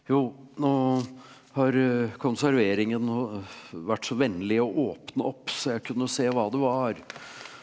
jo nå har konserveringen og vært så vennlig å åpne opp så jeg kunne se hva det var.